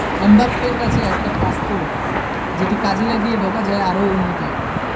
এমবাপ্পের কাছে একটা পাসপোর্ট যেটি কাজে লাগিয়ে ঢোকা যায় আরও উন্নতি